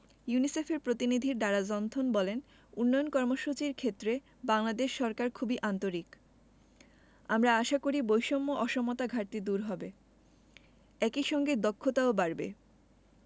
ইউনিসেফের প্রতিনিধি Dara Johnston বলেন উন্নয়ন কর্মসূচির ক্ষেত্রে বাংলাদেশ সরকার খুবই আন্তরিক আমরা আশা করি বৈষম্য অসমতার ঘাটতি দূর হবে একই সঙ্গে দক্ষতাও বাড়বে